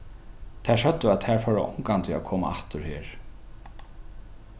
tær søgdu at tær fóru ongantíð at koma aftur her